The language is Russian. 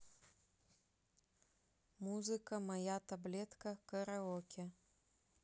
музыка моя таблетка караоке